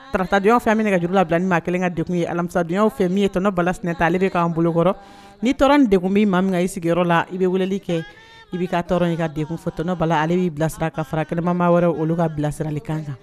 Faratajɔɔn fɛn min ka juruuru la bila ni min maa kelen ka dekun ye alamisadenya fɛ min yeɔnɔ balasinɛta ale bɛ k'an bolokɔrɔ nii deg min maa min ii la i bɛ weleli kɛ i b' ka tɔɔrɔ in ka de fɔ tɔnɔ bala ale b'i bilasira ka fara kɛnɛmamaa wɛrɛ olu ka bilasirali kan kan